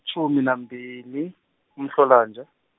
-tjhumi nambili, kuMhlolanja.